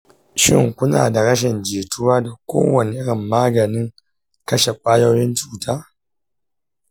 shin kuna da rashin jituwa da kowane irin maganin kashe kwayoyin cuta